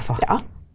ja.